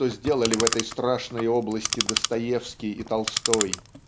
что сделали в этой страшной области Достоевский и Толстой.